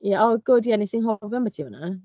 Ie, o, gwd, ie, wnes i anghofio ambiti hwnna.